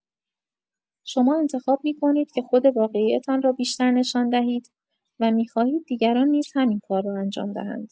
شما انتخاب می‌کنید که خود واقعی‌تان را بیشتر نشان دهید و می‌خواهید دیگران نیز همین کار را انجام دهند.